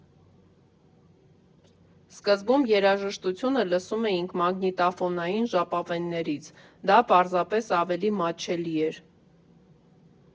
Սկզբում երաժշտությունը լսում էինք մագնիտոֆոնային ժապավեններից, դա պարզապես ավելի մատչելի էր։